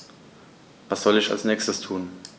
Was soll ich als Nächstes tun?